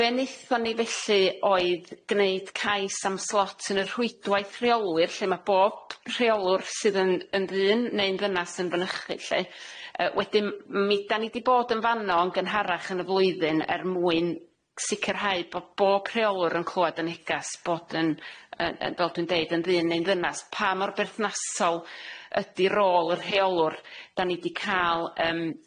Be' nethon ni felly oedd gneud cais am slot yn y rhwydwaith rheolwyr lle ma' bob rheolwr sydd yn yn ddyn neu'n ddynas yn fynychu lly, yy wedyn mi dan ni di bod yn fano yn gynharach yn y flwyddyn er mwyn sicirhau bo' bob rheolwr yn clwad yn negas bod yn yy yy fel dwi'n deud yn ddyn neu'n ddynas pa mor berthnasol ydi rôl y rheolwr dan ni di ca'l yym